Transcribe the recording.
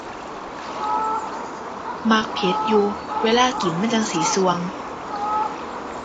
มักเผ็ดอยู่ เวลากินมันจั่งสิส่วง